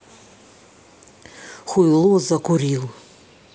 хуйло закурил